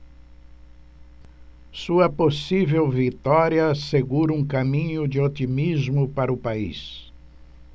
sua possível vitória assegura um caminho de otimismo para o país